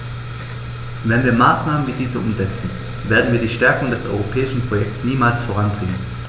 Wenn wir Maßnahmen wie diese umsetzen, werden wir die Stärkung des europäischen Projekts niemals voranbringen.